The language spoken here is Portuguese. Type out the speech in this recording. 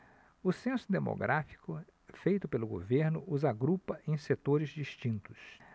o censo demográfico feito pelo governo os agrupa em setores distintos